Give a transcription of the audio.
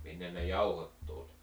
minne ne jauhot tuli